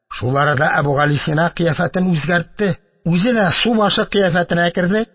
Шул арада Әбүгалисина кыяфәтен үзгәртте: үзе дә субашы кыяфәтенә керде